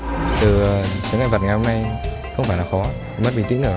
từ chướng ngại vật ngày hôm nay không phải là khó mất bình tĩnh ở